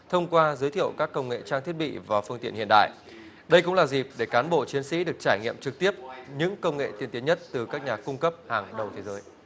thông qua giới thiệu các công nghệ trang thiết bị và phương tiện hiện đại đây cũng là dịp để cán bộ chiến sĩ được trải nghiệm trực tiếp những công nghệ tiên tiến nhất từ các nhà cung cấp hàng đầu thế giới